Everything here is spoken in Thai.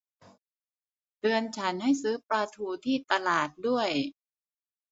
เตือนฉันให้ซื้อปลาทูที่ตลาดด้วย